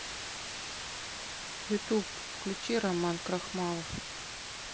ютуб включи роман крахмалов